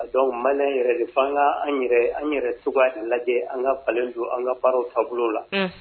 Ka dɔn mana yɛrɛ defan an ka an yɛrɛ an yɛrɛ su lajɛ an ka falen don an ka fararaww taabolo la